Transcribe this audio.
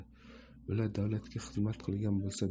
bular davlatga xizmat qilgan bo'lsa